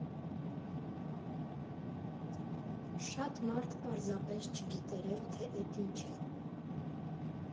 Շատ մարդ պարզապես չգիտեր էլ, թե էդ ինչ է։